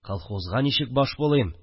Колхозга ничек баш булыйм